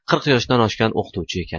qirq yoshdan oshgan o'qituvchi ekan